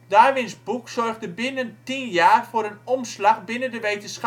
Darwins boek zorgde binnen tien jaar voor een omslag binnen